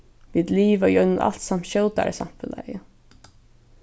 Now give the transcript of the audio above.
vit liva í einum alsamt skjótari samfelagi